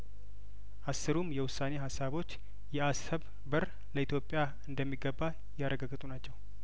አስሩም የውሳኔ ሀሳቦች የአሰብ በር ለኢትዮጵያ እንደሚገባ ያረጋገጡ ናቸው